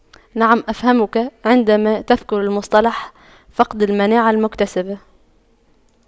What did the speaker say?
نعم أفهمك عندما تذكر المصطلح فقد المناعة المكتسبة